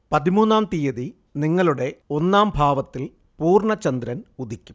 പതിമൂന്നാം തീയതി നിങ്ങളുടെ ഒന്നാം ഭാവത്തിൽ പൂർണ ചന്ദ്രൻ ഉദിക്കും